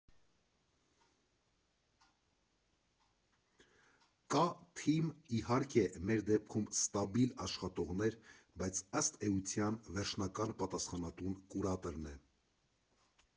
Կա թիմ, իհարկե, մեր դեպքում ստաբիլ աշխատողներ, բայց ըստ էության, վերջնական պատասխանատուն կուրատորն է։